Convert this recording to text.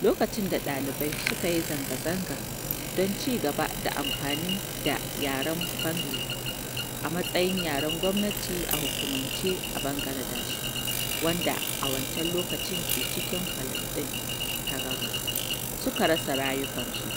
lokacin da ɗalibai suka yi zanga-zanga don ci gaba da amfani da yaren Bengali a matsayin yaren gwamnati a hukumance a Bangladesh (wadda a wancan lokacin ke cikin Pakistan ta Gabas) suka rasa rayukansu.